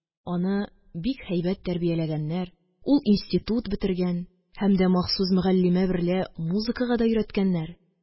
Аны бик һәйбәт тәрбияләгәннәр, ул институт бетергән һәм дә махсус мөгаллимә берлә музыкага да өйрәткәннәр.